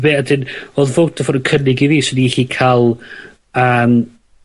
Be' 'edyn odd vodaphone yn cynnig i fi 'swn i ellu ca'l yym